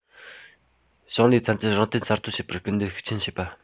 ཞིང ལས ཚན རྩལ རང བརྟེན གསར གཏོད བྱེད པར སྐུལ འདེད ཤུགས ཆེན བྱེད པ